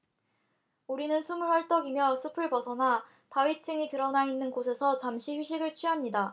우리는 숨을 헐떡이며 숲을 벗어나 바위층이 드러나 있는 곳에서 잠시 휴식을 취합니다